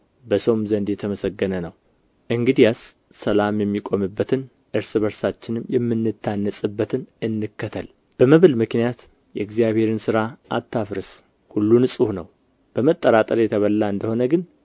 በሰውም ዘንድ የተመሰገነ ነው እንግዲያስ ሰላም የሚቆምበትን እርስ በርሳችንም የምንታነጽበትን እንከተል በመብል ምክንያት የእግዚአብሔርን ሥራ አታፍርስ ሁሉ ንጹሕ ነው በመጠራጠር የተበላ እንደ ሆነ ግን